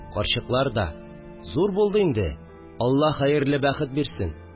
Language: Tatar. Карчыклар да: «Зур булды инде, Алла хәерле бәхет бирсен